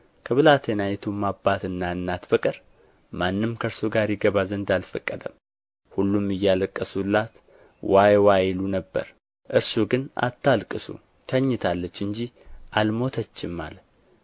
ከብላቴናይቱም አባትና እናት በቀር ማንም ከእርሱ ጋር ይገባ ዘንድ አልፈቀደም ሁሉም እያለቀሱላት ዋይ ዋይ ይሉ ነበር እርሱ ግን አታልቅሱ ተኝታለች እንጂ አልሞተችም አለ